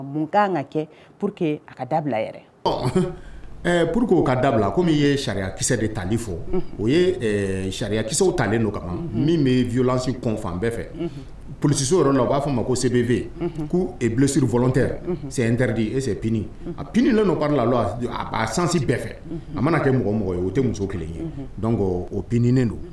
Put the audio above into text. Que da pur que ka dabila kɔmi ye sariyakisɛsɛ de tali fɔ o ye sariyakisɛw talen don kama min bɛ vilansi kɔn fan bɛɛ fɛ polisiso u b'a fɔ a ma ko sebefe yen k'busiri fɔlɔ tɛ sɛ di e a pini don la a basansi bɛɛ fɛ a mana kɛ mɔgɔ mɔgɔ ye o tɛ muso kelen ye o binen don